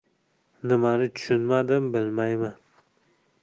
nimani tushunmadim bilmayman